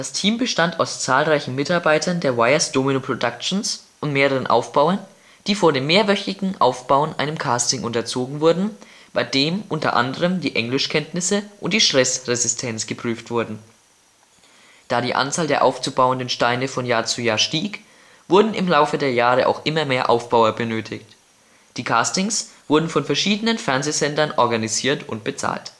Team bestand aus zahlreichen Mitarbeitern der Weijers Domino Productions und mehreren Aufbauern, die vor dem mehrwöchigen Aufbauen einem Casting unterzogen wurden, bei dem unter anderem die Englischkenntnisse und die Stressresistenz geprüft wurden. Da die Anzahl der aufzubauenden Steine von Jahr zu Jahr stieg, wurden im Laufe der Jahre auch immer mehr Aufbauer benötigt. Die Castings wurden von verschiedenen Fernsehsendern organisiert und bezahlt